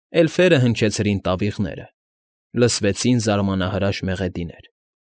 Էլֆերը հնչեցրին տավիղները, լսվեցին զարմանահրաշ մեղեդիներ։